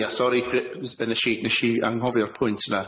Ia sori gr- nes i nes i anghofio'r pwynt na.